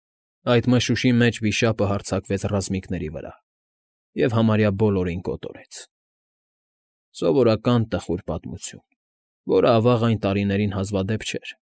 Ադ մշուշի մեջ Վիշապը հարձակվեց ռազմիկների վրա և համարյա բոլորին կոտորեց. սովորական տխուր պատմություն, որը, ավա՜ղ, այն տարիներին հազվադեպ չէր։